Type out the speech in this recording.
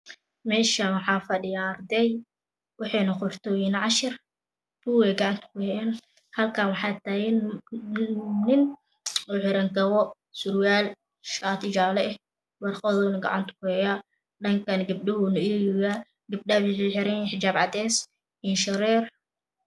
Meeshaan waxaa fadhiyo aradey waxayna qoranayaan cashir buugey gacanta ku hayaan halkan waxaa taagan nin xiran kabo surwaal shaati jaale eh warqaduuna gacanta kuhayaa dhankan gabdhuhuu egooyaa gabdhahan waxay xiranyihiin xijaab cadees ah indhashareer